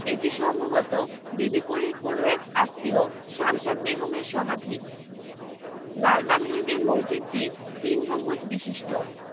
এটি সম্ভবত বিবি পরীর কোন এক আত্মীয় শামশাদ বেগমের সমাধি লালবাগ দুর্গের মসজিদটি তিন গম্বুজ বিশিষ্ট